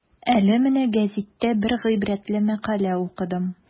Әле менә гәзиттә бер гыйбрәтле мәкалә укыдым.